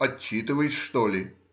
отчитываешь, что ли?